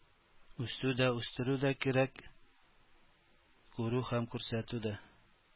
Үсү дә үстерү дә кирәк, күрү һәм күрсәтү дә.